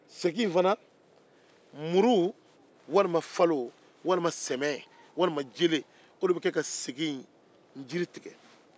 segi in fana muru walima falo walima sɛmɛ wali jele o de bɛ kɛ ka segi in jiri tigɛ